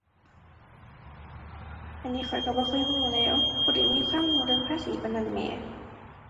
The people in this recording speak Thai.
อันนี้ข้อยก็บ่ค่อยก็แหล้ว บ่ได้มีความก็เรื่องภาษีปานนั้นแหม